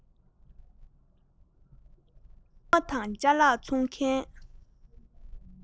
རྐུན མ དང ཅ ལག འཚོང མཁན